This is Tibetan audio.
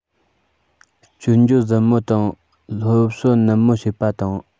སྐྱོན བརྗོད གཟབ མོ དང སློབ གསོ ནན མོ བྱེད པ དང